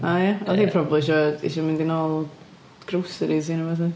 O ia, oedd hi probably isio, isio mynd i nôl groceries hi neu rywbath ia.